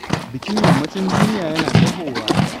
1. Bikin Yammacin duniya yana tahowa.